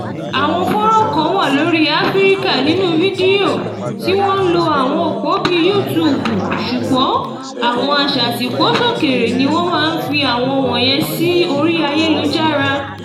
Àwọn fọ́nràn kan wà lórí Africa in Video tí wọ́n ń lo àwọn òpò bíi YouTube ṣùgbọ́n àwọn aṣàtìpósókèèrè ni wọ́n máa ń fi àwọn wọ̀nyẹn sí orí ayélujára.